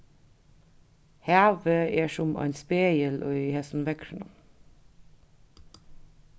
havið er sum ein spegil í hesum veðrinum